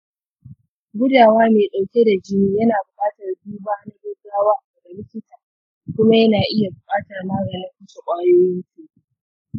gudawa mai ɗauke da jini yana buƙatar duba na gaggawa daga likita kuma yana iya buƙatar maganin kashe ƙwayoyin cuta.